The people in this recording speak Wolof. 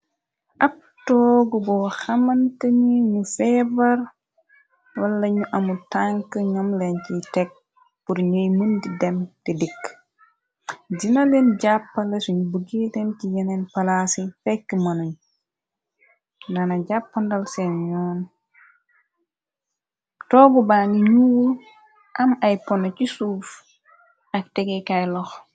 Ab toogu boo xamante ni ni feebar wa lañu amu tank ñam leen ci tekg bur ñuy mundi dem te dikk dina leen jàppale suñ bu géetem ci yeneen palaas i fekk mënuñ nana jàppandal see ñoon toogu ba ngi ñuu am ay pono ci suuf ak tegi kay lox.